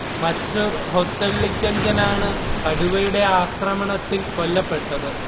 മച്ചൂർ ഹൊസള്ളി കെഞ്ചൻ ആണ് കടുവയുടെ ആക്രമണത്തിൽ കൊല്ലപ്പെട്ടത്